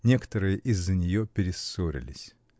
Некоторые из-за нее перессорились.